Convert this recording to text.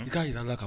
I ka jira an ka